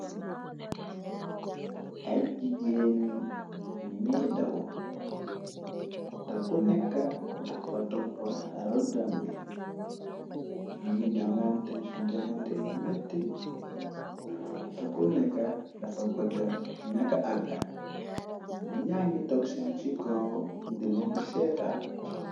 Ay jigéen nu ngee daw ta ku nekka dafa toppa rëddambi ñi ngi jongante ci jogante yu metti ta ku nekka dafa bëgga ñjaka àgga nit ña ngi toog si kaw dilen di sèètan.